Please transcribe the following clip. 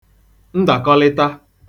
ndàkọlịta